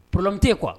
Pmu tɛ kuwa